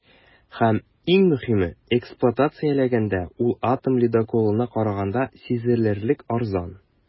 Һәм, иң мөһиме, эксплуатацияләгәндә ул атом ледоколына караганда сизелерлек арзан.